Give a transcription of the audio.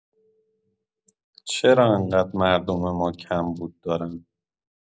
چرا انقدر مردم ما کمبود دارن؟